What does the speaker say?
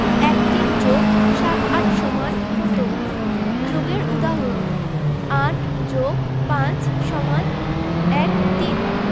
১৩ + ৭৮ = কত যোগের উদাহরণঃ ৮ + ৫ = ১৩